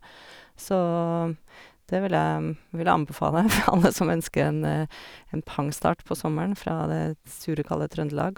Så det vil jeg vil jeg anbefale alle som ønsker en en pangstart på sommeren fra det sure, kalde Trøndelag.